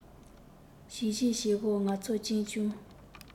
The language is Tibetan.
བྱིལ བྱིལ བྱེད ཞོར ང ཚོ གཅེན གཅུང